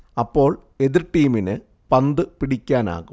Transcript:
അപ്പോൾ എതിർ ടീമിന് പന്തു പിടിക്കാനാകും